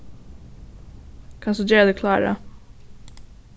kanst tú gera teg klára